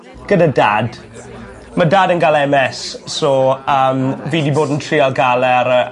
Gyda dad. Ma' dad yn ga'l Em Ess so yym... A reit. ...fi 'di bod yn trial ga'l e ar y